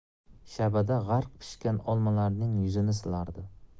shabada g'arq pishgan olmalarning yuzini silardi